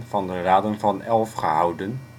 Raden van Elf gehouden, ter voorbereiding